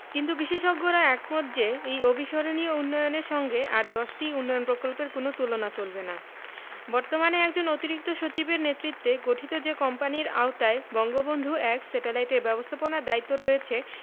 কিন্তু বিশেষজ্ঞরা একমত যে এই অবিস্মরণীয় উন্নয়নের সঙ্গে আর দশটি উন্নয়ন প্রকল্পের কোনো তুলনা চলবে না বর্তমানে একজন অতিরিক্ত সচিবের নেতৃত্বে গঠিত যে কোম্পানির আওতায় বঙ্গবন্ধু ১ স্যাটেলাইট এর ব্যবস্থাপনার দায়িত্ব রয়েছে